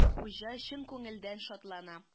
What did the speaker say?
Хуҗа чын күңелдән шатлана.